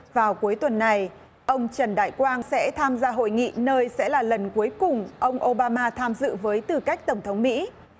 vào cuối tuần này ông trần đại quang sẽ tham gia hội nghị nơi sẽ là lần cuối cùng ông ô ba ma tham dự với tư cách tổng thống mỹ